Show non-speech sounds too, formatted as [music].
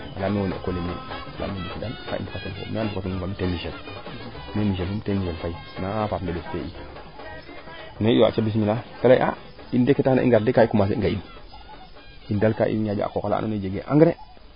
[unintelligible] te Michel me Michel fum te Michel Faye me baab ndeɓes te i me iyo aca bismila te leye a ke tax na i ngar de gaa i commencer nga'in de gaa i ñanja a qoxala ando naye jege engrais :far